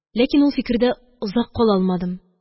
Ләкин ул фикердә озак кала алмадым.